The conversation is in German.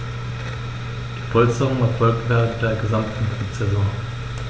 Diese Polsterung erfolgt während der gesamten Brutsaison.